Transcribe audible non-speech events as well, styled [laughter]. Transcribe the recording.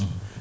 [hesitation] [hesitation]